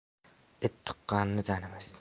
it tuqqanini tanimas